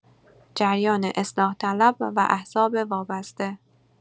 جریان اصلاح‌طلب و احزاب وابسته